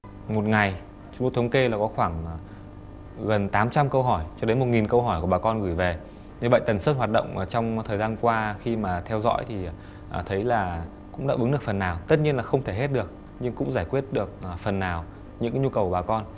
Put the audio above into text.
một ngày chú thống kê là có khoảng gần tám trăm câu hỏi cho đến một nghìn câu hỏi của bà con gửi về như vậy tần suất hoạt động ở trong thời gian qua khi mà theo dõi thì thấy là cũng đáp ứng được phần nào tất nhiên là không thể hết được nhưng cũng giải quyết được phần nào những nhu cầu bà con